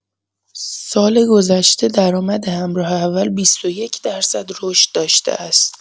سال‌گذشته درآمد همراه اول ۲۱ درصد رشد داشته است.